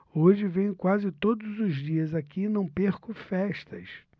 hoje venho quase todos os dias aqui e não perco festas